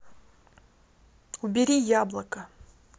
убери яблоко